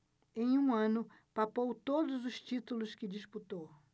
em um ano papou todos os títulos que disputou